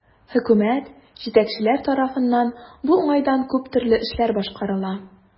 Хөкүмәт, җитәкчеләр тарафыннан бу уңайдан күп төрле эшләр башкарыла.